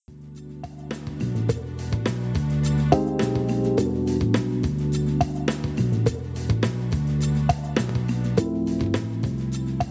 music